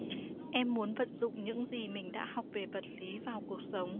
em muốn vận dụng những gì mình đã học về vật lý vào cuộc sống